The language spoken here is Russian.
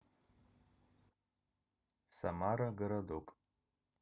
самара городок